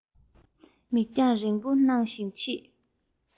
གཟིགས རྒྱང རིང པོ གནང བཞིན མཆིས